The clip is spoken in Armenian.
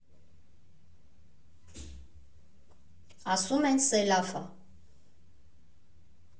Ասում են՝ սելավ ա»։